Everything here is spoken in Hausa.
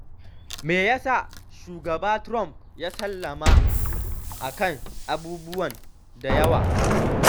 Me ya sa Shugaba Trump ya sallama akan abubuwa da yawa?